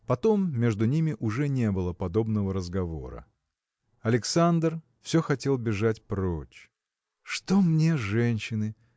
Потом между ними уже не было подобного разговора. Александр все хотел бежать прочь. Что мне женщины!